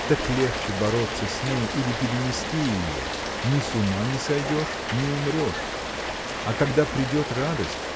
так легче бороться с ней или перенести ее ни с ума не сойдешь, ни умрешь а когда придет радость